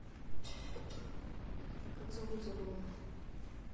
как зовут забыла